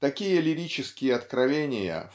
Такие лирические откровения